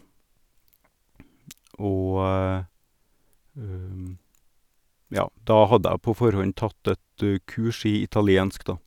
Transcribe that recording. Og, ja, da hadde jeg på forhånd tatt et kurs i italiensk, da.